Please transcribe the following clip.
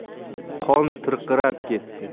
qon tirqirab ketdi